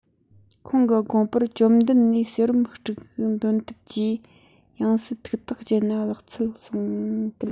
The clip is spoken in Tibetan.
ཁོང གི དགོངས པར ཇོ མདུན ནས གསེར བུམ དཀྲུགས འདོན ཐབས ཀྱིས ཡང སྲིད ཐུགས ཐག བཅད ན ལེགས ཚུལ གསུངས སྐད